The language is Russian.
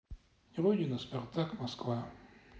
родина спартак москва